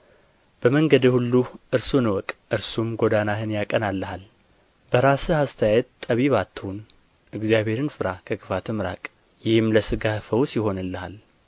በመንገድህ ሁሉ እርሱን እወቅ እርሱም ጎዳናህን ያቀናልሃል በራስህ አስተያየት ጠቢብ አትሁን እግዚአብሔርን ፍራ ከክፋትም ራቅ ይህም ለሥጋህ ፈውስ ይሆንልሃል